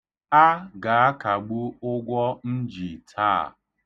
A ga-akagbu ụgwọ m ji taa.